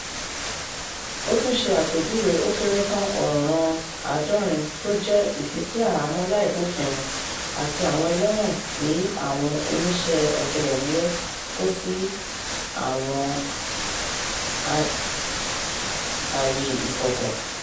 Ó tún ṣe àpéjúwe ó kéré tàn ọ̀ràn 70 tó jẹ́ "ìfisí àhámọ́ láìbófinmu", àti àwọn ẹlẹ́wọ̀n tí àwọn oníṣẹ́ ọ̀tẹlẹ̀múyẹ́ kò sí àwọn àyè ìkọ̀kọ̀.